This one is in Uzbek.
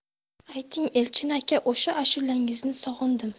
ayting elchin aka o'sha ashulangizni sog'indim